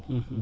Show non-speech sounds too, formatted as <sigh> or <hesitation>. <hesitation> <hesitation>